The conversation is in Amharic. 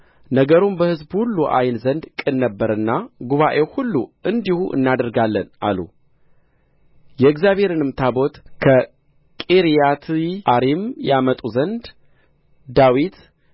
ነገሩም በሕዝቡ ሁሉ ዓይን ዘንድ ቅን ነበረና ጉባኤው ሁሉ እንዲሁ እናደርጋለን አሉ የእግዚአብሔርንም ታቦት ከቂርያትይዓሪም ያመጡ ዘንድ ዳዊት